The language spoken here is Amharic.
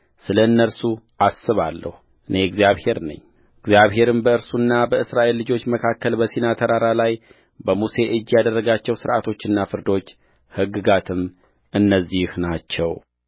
ስለ እነርሱ አስባለሁ እኔ እግዚአብሔር ነኝእግዚአብሔርም በእርሱና በእስራኤል ልጆች መካከል በሲና ተራራ ላይ በሙሴ እጅ ያደረጋቸው ሥርዓቶችና ፍርዶች ሕግጋትም እነዚህ ናቸው